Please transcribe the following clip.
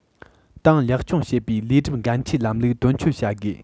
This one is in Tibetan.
ཏང ལེགས སྐྱོང བྱེད པའི ལས སྒྲུབ འགན འཁྲིའི ལམ ལུགས དོན འཁྱོལ བྱ དགོས